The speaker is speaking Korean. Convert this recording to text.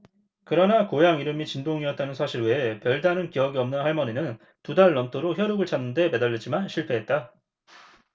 그러나 고향 이름이 진동이었다는 사실 외에 별다른 기억이 없는 할머니는 두 달 넘도록 혈육을 찾는 데 매달렸지만 실패했다